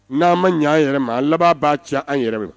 N'an ma ɲɛ an yɛrɛ ma a laban b'a cɛ an yɛrɛ